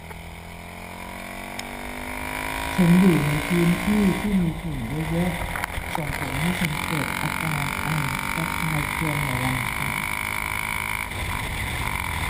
ฉันอยู่ในพื้นที่ที่มีฝุ่นเยอะเยอะส่งผลให้ฉันเกิดอาการไอระคายเคืองในลำคอ